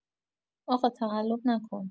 آقا تقلب نکن